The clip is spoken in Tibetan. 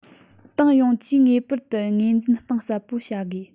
ཏང ཡོངས ཀྱིས ངེས པར དུ ངོས འཛིན གཏིང ཟབ པོ བྱ དགོས